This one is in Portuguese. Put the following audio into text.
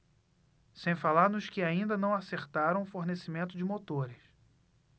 sem falar nos que ainda não acertaram o fornecimento de motores